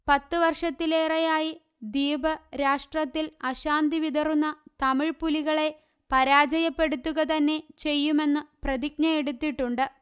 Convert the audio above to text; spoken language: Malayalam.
പത്തു വർഷത്തിലേറെയായി ദ്വീപ് രാഷ്ട്രത്തിൽ അശാന്തി വിതറുന്ന തമിഴ് പുലികളെ പരാജയപ്പെടുത്തുക തന്നെ ചെയ്യുമെന്നു പ്രതിജ്ഞ എടുത്തിട്ടുണ്ട്